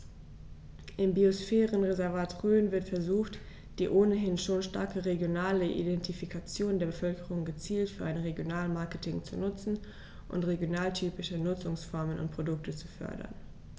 Im Biosphärenreservat Rhön wird versucht, die ohnehin schon starke regionale Identifikation der Bevölkerung gezielt für ein Regionalmarketing zu nutzen und regionaltypische Nutzungsformen und Produkte zu fördern.